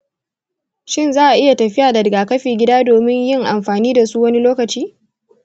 shin za a iya tafiya da rigakafi gida domin yin amfani da su a wani lokaci?